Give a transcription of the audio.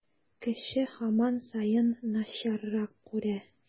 Кеше һаман саен начаррак күрә.